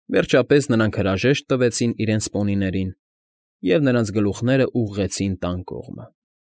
Վերջապես նրանք հրաժեշտ տվեցին իրենց պոնիներին և նրանց գլուխները ուղղեցին տան կողմը։